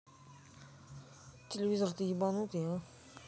телевизор ты ебанутый а